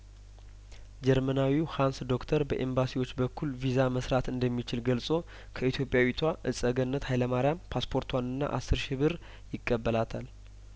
ጀርመናዊው ሀንስ ዶክተር በኤንባሲዎች በኩል ቪዛ መስራት እንደሚችል ገልጾ ከኢትዮጵያዊቷ እጸገነት ሀይለማርያም ፓስፖርቷንና አስር ሺህ ብር ይቀበላታል